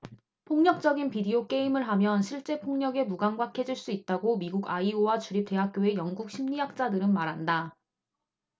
폭력적인 비디오 게임을 하면 실제 폭력에 무감각해질 수 있다고 미국 아이오와 주립 대학교의 연구 심리학자들은 말한다